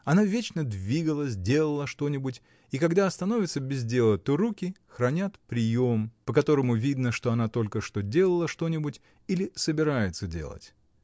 Она вечно двигалась, делала что-нибудь, и когда остановится без дела, то руки хранят прием, по которому видно, что она только что делала что-нибудь или собирается делать.